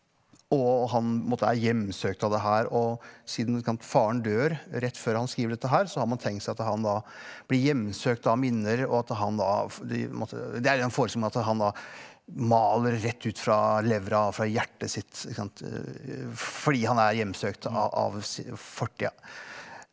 og han på en måte er hjemsøkt av det her og siden faren dør rett før han skriver dette her så har man tenkt seg at han da blir hjemsøkt av minner og at han da de måtte det er en forestilling om at han da maler rett ut fra levra fra hjertet sitt ikke sant fordi han er hjemsøkt av av fortida.